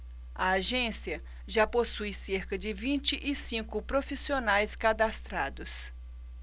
a agência já possui cerca de vinte e cinco profissionais cadastrados